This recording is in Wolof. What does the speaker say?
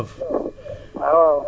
80